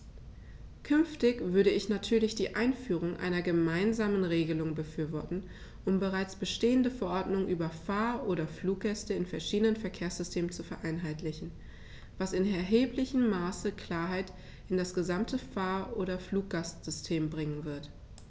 Künftig würde ich natürlich die Einführung einer gemeinsamen Regelung befürworten, um bereits bestehende Verordnungen über Fahr- oder Fluggäste in verschiedenen Verkehrssystemen zu vereinheitlichen, was in erheblichem Maße Klarheit in das gesamte Fahr- oder Fluggastsystem bringen wird.